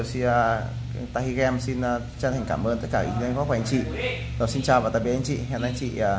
tahigem xin chân thành cảm ơn các ý kiến đóng góp của anh chị xin chào và tạm biệt anh chị